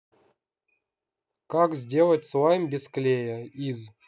как сделать слайм без клея из